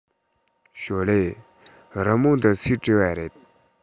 ཞོའོ ལིའི རི མོ འདི སུས བྲིས པ རེད